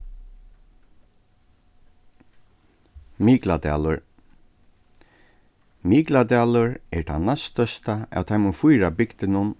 mikladalur mikladalur er tann næststørsta av teimum fýra bygdunum